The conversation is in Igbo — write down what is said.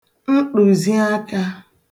nṭụ̀ziakā